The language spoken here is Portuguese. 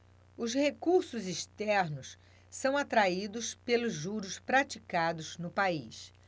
os recursos externos são atraídos pelos juros praticados no país